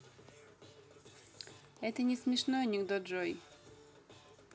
это не смешной анекдот джой